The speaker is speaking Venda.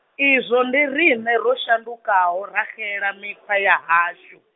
izwo ndi riṋe ro shandukaho ra xela mikhwa ya hashu.